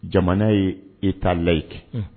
Jamana ye e t'a layi kɛ